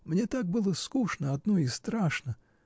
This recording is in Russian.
Мне так было скучно одной и страшно.